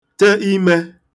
te imē